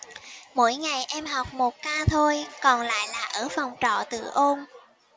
mỗi ngày em học một ca thôi còn lại là ở phòng trọ tự ôn